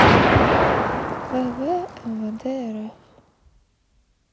вв мвд рф